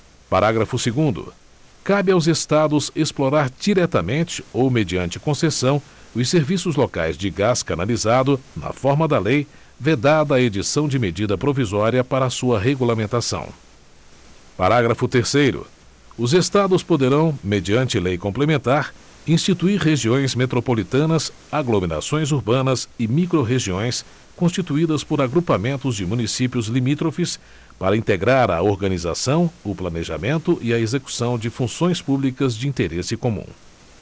parágrafo segundo cabe aos estados explorar diretamente ou mediante concessão os serviços locais de gás canalizado na forma da lei vedada a edição de medida provisória para a sua regulamentação parágrafo terceiro os estados poderão mediante lei complementar instituir regiões metropolitanas aglomerações urbanas e microrregiões constituídas por agrupamentos de municípios limítrofes para integrar a organização o planejamento e a execução de funções públicas de interesse comum